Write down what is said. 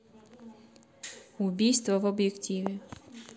убийство в объективе